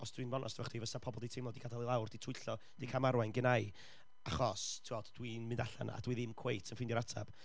os dwi'n bod yn onest efo chdi, fysa pobl di teimlo 'di gadael ei lawr, 'di twyllo, 'di camarwain gynna i, achos, ti'n gwbod, dwi'n mynd allan a dwi ddim cweit yn ffeindio'r ateb.